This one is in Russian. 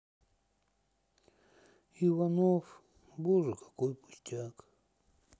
иванов боже какой пустяк